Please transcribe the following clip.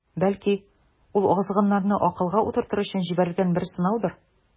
Бәлки, ул азгыннарны акылга утыртыр өчен җибәрелгән бер сынаудыр.